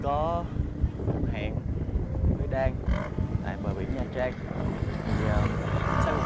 có một cuộc hẹn với ben tại bờ biển nha trang hiện sau